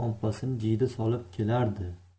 monpasi jiyda solib kelardi